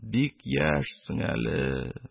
Бик яшьсең әле,